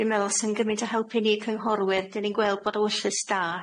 Dwi'n me'wl s'yn gymint o helpu ni cynghorwyr. 'Dyn ni'n gweld bod ewyllys da